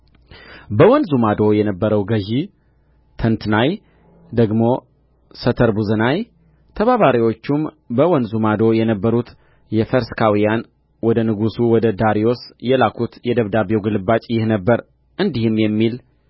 በወንዙ ማዶ የነበረው ገዥ ተንትናይ ደግሞ ሰተርቡዝናይ ተባባሪዎቹም በወንዙ ማዶ የነበሩት አፈርስካውያን ወደ ንጉሡ ወደ ዳርዮስ የላኩት የደብዳቤው ግልባጭ ይህ ነበረ እንዲህም የሚል